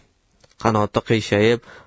qanoti qiyshayib